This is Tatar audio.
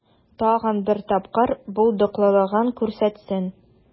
Тагын бер тапкыр булдыклылыгын күрсәтсен.